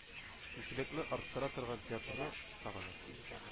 Интеллектны арттыра торган театрны сагына.